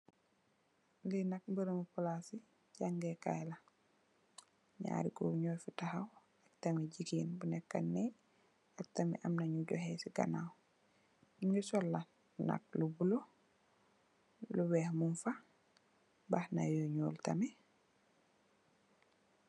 Lee nak meremu plase jagekay la nyari goor nufe tahaw tamin jegain bu neka nee ak tam amna nuy johe se ganaw nuge sol nak nak lu bulo lu weex mugfa mbaxana yu nuul tamin.